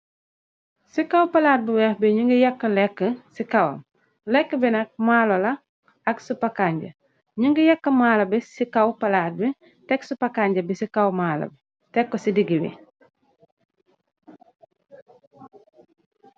Ci kaw palaat bu weeh bi ñu ngi yakk lekk ci kawam. Lekk bi nak maalo la ak supakanj. Ñu ngi yakk maalo bi ci kaw palaat bi, tek supakanj bi ci kaw maala bi tekko ci diggi bi.